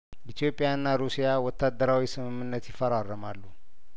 ኢትዮጵያና ሩሲያ ወታደራዊ ስምምነት ይፈራረ ማሉ